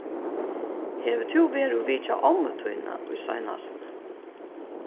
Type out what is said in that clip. hevur tú verið og vitjað ommu tína í seinastuni